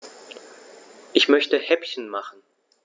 Ich möchte Häppchen machen.